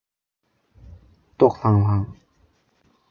ལྟོགས ལྷང ལྷང